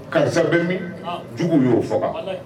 Kansansa bɛ min jugu y'o faga